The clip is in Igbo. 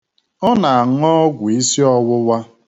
Ọ na-aṅụ ọgwụ isiọwụwa.